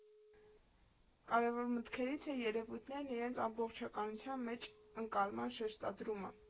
Կարևոր մտքերից է երևույթներն իրենց ամբողջականության մեջ ընկալման շեշտադրումը։